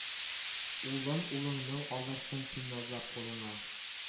Улын улыңның алырсың син назлап кулыңа